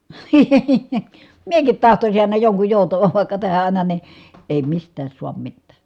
minäkin tahtoisin aina jonkun joutavan vaikka tähän aina niin ei mistään saa mitään